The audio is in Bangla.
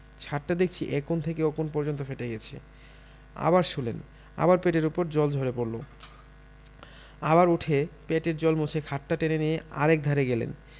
ছাতটা দেখচি এ কোণ থেকে ও কোণ পর্যন্ত ফেটে গেছে আবার শুলেন আবার পেটের উপর জল ঝরে পড়ল আবার উঠে পেটের জল মুছে খাটটা টেনে নিয়ে আর একধারে গেলেন